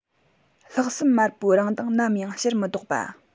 ལྷག བསམ དམར པོའི རང མདངས ནམ ཡང ཕྱིར མི ལྡོག པ